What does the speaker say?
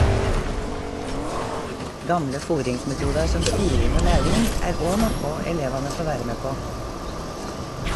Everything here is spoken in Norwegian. Gamle fôringsmetodar som styving og lauving er òg noko elevane får vere med på.